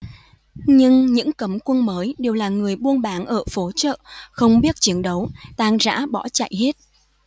nhưng những cấm quân mới đều là người buôn bán ở phố chợ không biết chiến đấu tan rã bỏ chạy hết